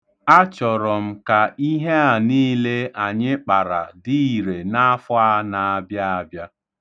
Achọrọ m ka ihe a niile anyị kpara dị ire n'afọ a na-abịa abịa.